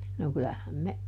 no kyllähän me